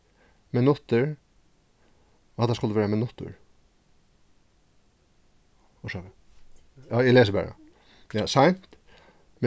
minuttir og hatta skuldi vera minuttur orsaka eg lesi bara seint